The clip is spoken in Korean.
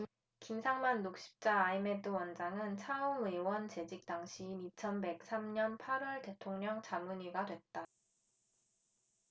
김상만 녹십자아이메드 원장은 차움의원 재직 당시인 이천 백 삼 년 팔 월 대통령 자문의가 됐다